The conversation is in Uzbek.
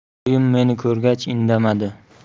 oyim meni ko'rgach indamadi